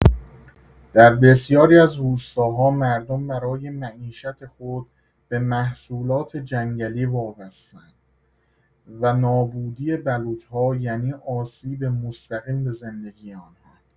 در بسیاری از روستاها، مردم برای معیشت خود به محصولات جنگلی وابسته‌اند و نابودی بلوط‌ها یعنی آسیب مستقیم به زندگی آنها.